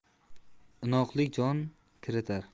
inoqlik jon kiritar